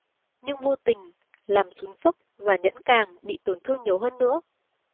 nhưng vô tình làm sún sốc và nhẫn càng bị tổn thương nhiều hơn nữa